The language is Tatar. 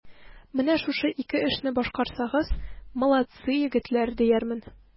Менә шушы ике эшне башкарсагыз, молодцы, егетләр, диярмен.